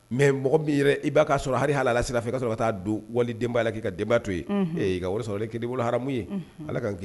Mɛ mɔgɔ min i b'a' sɔrɔ ha hala sira fɛ i kaa sɔrɔ'a don wali denbaya la k ka denba to ye eee i ka wari sɔrɔ ki bolo hamu ye ala ka gese